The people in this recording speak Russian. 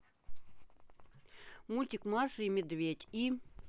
мультик маша и медведь и